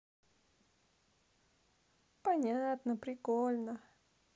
понятно прикольно